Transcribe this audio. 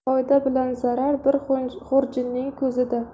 foyda bilan zarar bir xurjinning ko'zida